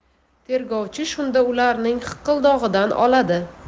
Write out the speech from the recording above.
tergovchi shunda ularning hiqildog'idan oladi